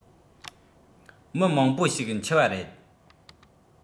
མི མང པོ ཞིག འཆི བ རེད